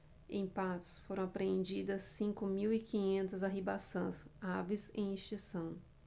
em patos foram apreendidas cinco mil e quinhentas arribaçãs aves em extinção